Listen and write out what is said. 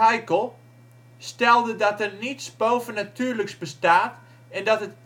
Haeckel stelde dat er niets bovennatuurlijks bestaat en dat het